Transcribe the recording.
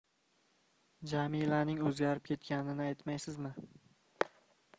jamilaning o'zgarib ketganini aytmaysizmi